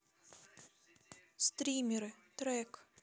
стримеры трек